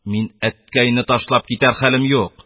Мин әткәйне ташлап китәр хәлем юк